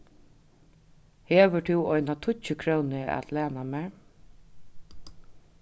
hevur tú eina tíggjukrónu at læna mær